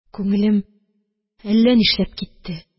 Күңелем әллә ни эшләп китте.